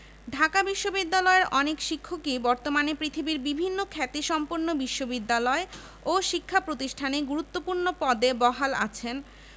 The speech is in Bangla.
ঢাকা বিশ্ববিদ্যালয়ের অনেক শিক্ষকই বর্তমানে পৃথিবীর বিভিন্ন খ্যাতিসম্পন্ন বিশ্ববিদ্যালয় ও শিক্ষা প্রতিষ্ঠানে গুরুত্বপূর্ণ পদে বহাল আছেন